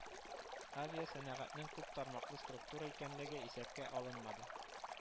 Авиасәнәгатьнең күп тармаклы структура икәнлеге исәпкә алынмады